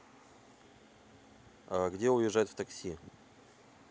a где уезжают в такси